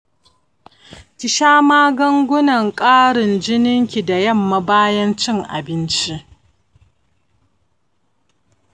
ki sha magangunan ƙarin jininki da yamma bayan cin abinci.